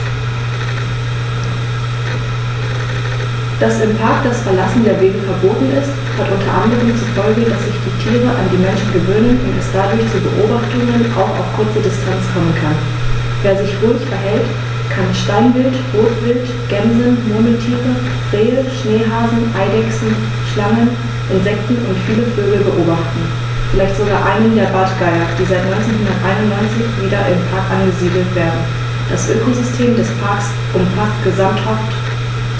Dass im Park das Verlassen der Wege verboten ist, hat unter anderem zur Folge, dass sich die Tiere an die Menschen gewöhnen und es dadurch zu Beobachtungen auch auf kurze Distanz kommen kann. Wer sich ruhig verhält, kann Steinwild, Rotwild, Gämsen, Murmeltiere, Rehe, Schneehasen, Eidechsen, Schlangen, Insekten und viele Vögel beobachten, vielleicht sogar einen der Bartgeier, die seit 1991 wieder im Park angesiedelt werden. Das Ökosystem des Parks umfasst gesamthaft mehrere tausend Tier- und Pflanzenarten, von unscheinbaren Kleinstlebewesen bis zum Braunbär, der Ende Juli 2005, nach rund 90 Jahren Abwesenheit, wieder in der Schweiz gesichtet wurde.